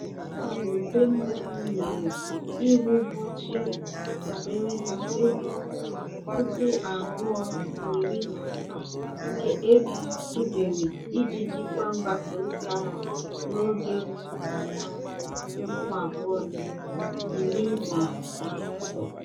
Nke a bụ nke mbụ e nyere iwu mgbochi dabere na mkpebi 2017 nke e zubere iji jikwa mgbasa ozi ụgha n'oge ntuliaka 2018.